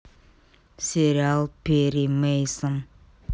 сериал перри мейсон